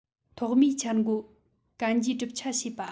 ཐོག མའི འཆར འགོད གན རྒྱའི གྲུབ ཆ བྱས པ